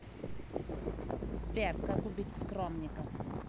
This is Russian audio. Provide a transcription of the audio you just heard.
сбер как убить скромника